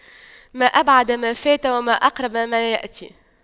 ما أبعد ما فات وما أقرب ما يأتي